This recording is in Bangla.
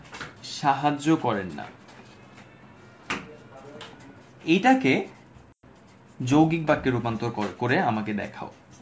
সাহায্য করেন না এটাকে যৌগিক বাক্যে রূপান্তর করে আমাকে দেখাও